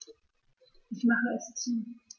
Ich mache es zu.